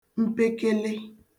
mpekele